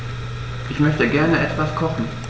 Ich möchte gerne etwas kochen.